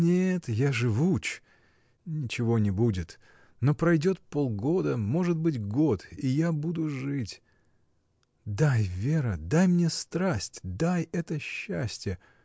Нет, я живуч — ничего не будет, но пройдет полгода, может быть, год — и я буду жить. Дай, Вера, дай мне страсть. дай это счастье!.